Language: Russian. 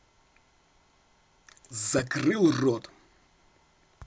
закрыл рот